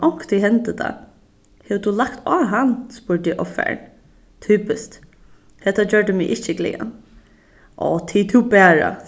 onkuntíð hendir tað hevur tú lagt á hann spurdi eg ovfarin typiskt hetta gjørdi meg ikki glaðan áh tig tú bara